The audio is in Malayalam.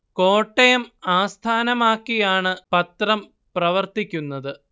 കോട്ടയം ആസ്ഥാനമാക്കി ആണ് പത്രം പ്രവർത്തിക്കുന്നത്